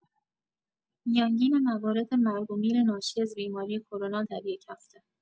میانگین موارد مرگ و میر ناشی از بیماری کرونا در یک هفته